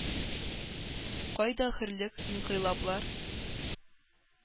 Кайда хөрлек, инкыйлаблар,